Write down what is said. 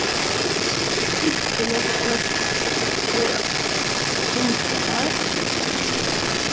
ikki nógv fólk gerast hundrað ár